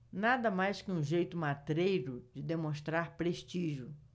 nada mais que um jeito matreiro de demonstrar prestígio